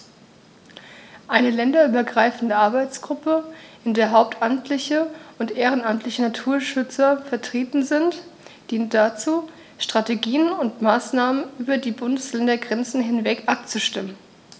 Eine länderübergreifende Arbeitsgruppe, in der hauptamtliche und ehrenamtliche Naturschützer vertreten sind, dient dazu, Strategien und Maßnahmen über die Bundesländergrenzen hinweg abzustimmen.